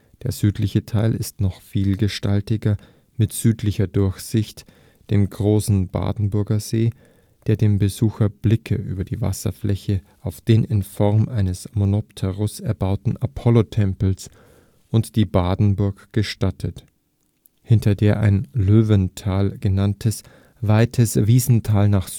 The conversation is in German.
Der südliche Teil ist noch vielgestaltiger mit Südlicher Durchsicht, dem großen Badenburger See, der dem Besucher Blicke über die Wasserfläche auf den in Form eines Monopteros erbauten Apollotempel und die Badenburg gestattet, hinter der ein Löwental genanntes, weites Wiesental nach